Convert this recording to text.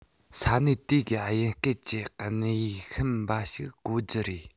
ས གནས དེ གའི དབྱིན སྐད ཀྱི སྣེ ཤན པ ཞིག བཀོལ རྒྱུ རེད